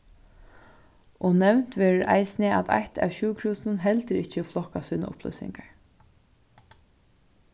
og nevnt verður eisini at eitt av sjúkrahúsunum heldur ikki hevur flokkað sínar upplýsingar